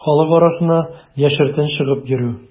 Халык арасына яшертен чыгып йөрү.